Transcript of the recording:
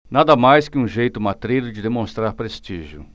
nada mais que um jeito matreiro de demonstrar prestígio